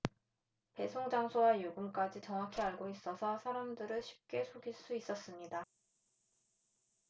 배송장소와 요금까지 정확히 알고 있어서 사람들을 쉽게 속일 수 있었습니다